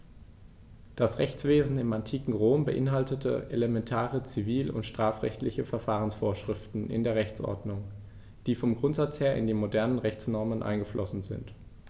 Das Rechtswesen im antiken Rom beinhaltete elementare zivil- und strafrechtliche Verfahrensvorschriften in der Rechtsordnung, die vom Grundsatz her in die modernen Rechtsnormen eingeflossen sind.